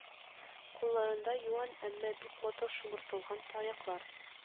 Кулларында юан әмма бик матур шомартылган таяклар